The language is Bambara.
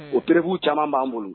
O perebu caman b'an bolo